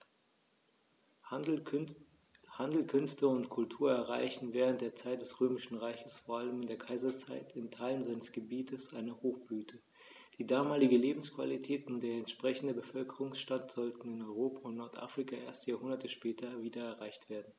Handel, Künste und Kultur erreichten während der Zeit des Römischen Reiches, vor allem in der Kaiserzeit, in Teilen seines Gebietes eine Hochblüte, die damalige Lebensqualität und der entsprechende Bevölkerungsstand sollten in Europa und Nordafrika erst Jahrhunderte später wieder erreicht werden.